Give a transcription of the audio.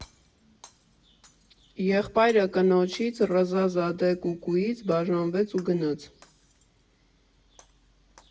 Եղբայրը կնոջից՝ Ռզա Զադե Կուկուից բաժանվեց ու գնաց։